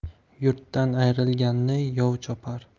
yurtdan ayrilganni yov chopar